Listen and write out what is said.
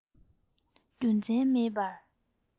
རྒྱུ མཚན མེད པར